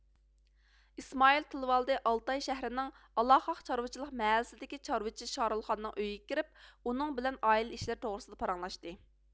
ئىسمائىل تىلىۋالدى ئالتاي شەھىرىنىڭ ئالاخاق چارۋىچىلىق مەھەللىسىدىكى چارۋىچى شارۇلخاننىڭ ئۆيىگە كىرىپ ئۇنىڭ بىلەن ئائىلە ئىشلىرى توغرىسىدا پاراڭلاشتى